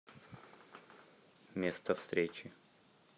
место встречи